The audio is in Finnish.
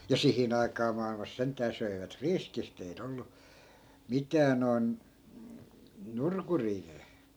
ja siihen aikaa maailmassa sentään söivät riskisti ei ollut mitään noin nurkuria -